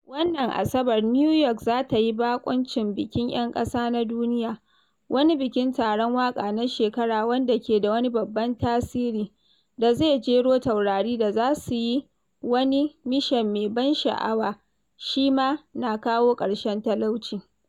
Wannan Asabar New York za ta yi baƙwancin Bikin 'Yan Ƙasa na Duniya, wani bikin taron waƙa na shekara wanda ke da wani babban tasiri da zai jero taurari da za su yi wani mishan mai ban sha'awa shi ma; na kawo ƙarshen talauci.